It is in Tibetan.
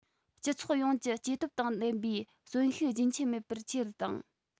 སྤྱི ཚོགས ཡོངས ཀྱི སྐྱེ སྟོབས དང ལྡན པའི གསོན ཤུགས རྒྱུན ཆད མེད པར ཆེ རུ བཏང